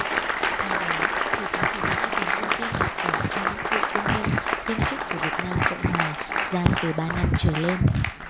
theo đó thì chính phủ mỹ dành ưu tiên nhập cảnh cho những cựu quân nhân viên chức của việt nam cộng hòa giam từ ba năm trở lên